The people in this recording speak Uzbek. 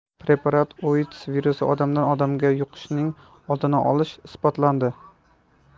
preparat oits virusi odamdan odamga yuqishining oldini olishi isbotlandi